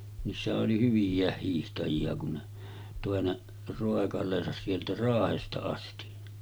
niissähän oli hyviäkin hiihtäjiä kun ne toi ne roikaleensa sieltä Raahesta asti